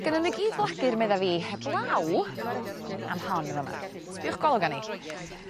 Gennon n'w gyd flagur medda fi heblaw am hon y' fa' 'ma. Sbïwch golwg ani.